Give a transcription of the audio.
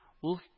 Үл